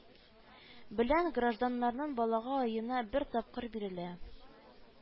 Белән гражданнарның балага аена бер тапкыр бирелә